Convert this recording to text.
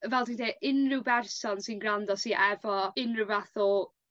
fel dwi'n deu unryw berson sy'n grando sy efo unryw fath o